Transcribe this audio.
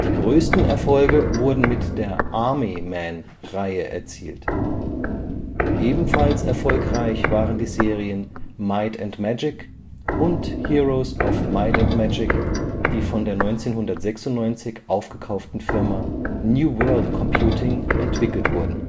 größten Erfolge wurden mit der Army-Men-Reihe erzielt. Ebenfalls erfolgreich waren die Serien Might and Magic und Heroes of Might and Magic, die von der 1996 aufgekauften Firma New World Computing entwickelt wurden